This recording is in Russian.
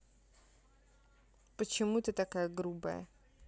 почему ты такая грубая